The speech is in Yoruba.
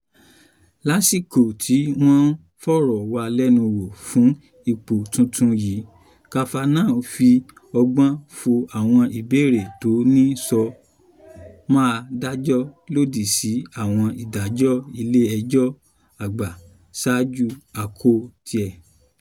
Lásìkò tí wọ́n ń fọ̀rọ̀walẹ́nuwò fún ipò tuntun yìí, Kavanaugh fi ọgbọ́n fo àwọn ìbéèrè tó ní ṣo máa dájọ́ lòdì sí àwọn ìdájọ́ Ilé-ẹjọ́ Àgbà sáájú àḱkò tiẹ̀.